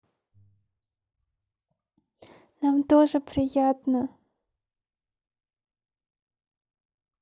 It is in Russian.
нам тоже приятно